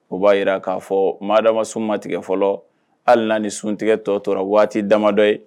O b'a yira k'a fɔɔ maadama sun ma tigɛ fɔlɔ hali na ni suntigɛ tɔ tora waati damadɔ ye